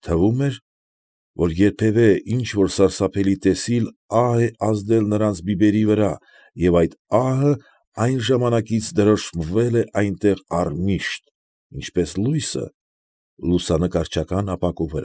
Թվում էր, որ երբևէ ինչ֊որ սարսափելի տեսիլ ահ է ազդել նրանց բիբերի վրա և այդ ահը այն ժամանակից դրոշմվել է այնտեղ առմիշտ, ինչպես լույսը՝ լուսանկարչական ապակու։